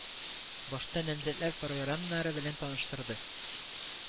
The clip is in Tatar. Башта намзәтләр програмнары белән таныштырды